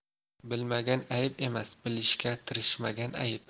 bilmagan ayb emas bilishga tirishmagan ayb